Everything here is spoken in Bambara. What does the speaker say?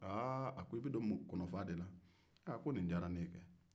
a ko i bɛ don kɔnɔfaa de la a ko nin diyara ne ye kɛ